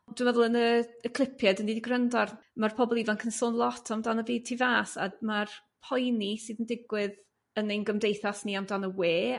Dwi meddwl yn y y clipe dyn ni 'di g'rando ar ma'r pobl ifanc yn sôn lot amdan y byd tu fas ad- ma'r poeni sydd yn digwydd yn ein gymdeithas ni amdan y we